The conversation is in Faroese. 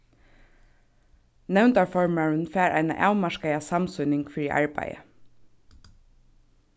nevndarformaðurin fær eina avmarkaða samsýning fyri arbeiðið